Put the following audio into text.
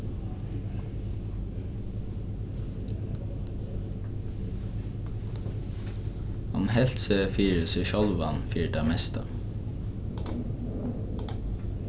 hann helt seg fyri seg sjálvan fyri tað mesta